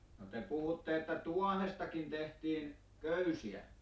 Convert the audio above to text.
no te puhuitte että tuohestakin tehtiin köysiä